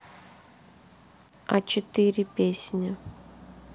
а четыре песня